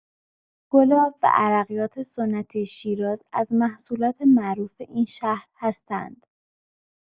گلاب و عرقیات سنتی شیراز از محصولات معروف این شهر هستند.